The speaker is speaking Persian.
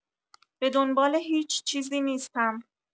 به دنبال هیچ چیزی نیستم.